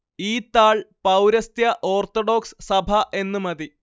ഈ താൾ പൗരസ്ത്യ ഓർത്തഡോക്സ് സഭ എന്ന് മതി